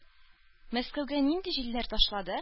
Мәскәүгә нинди җилләр ташлады?